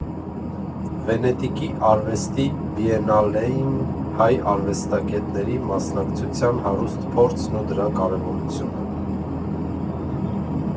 Վենետիկի արվեստի բիենալեին հայ արվեստագետների մասնակցության հարուստ փորձն ու դրա կարևորությունը։